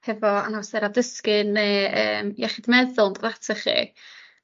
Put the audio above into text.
hefo anhawsder adysgu ne' yym iechyd meddwl yn dod atoch chi